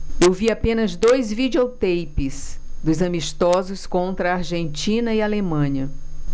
eu vi apenas dois videoteipes dos amistosos contra argentina e alemanha